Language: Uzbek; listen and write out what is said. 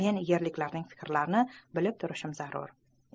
men yerliklarning fikrlarini bilib turishim zarur